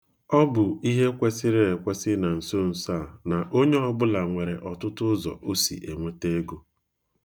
Ọ bụ ihe kwesịrị ekwesị na nsonso a na onye ọbụla nwere ọtụtụ ụzọ o si enweta ego.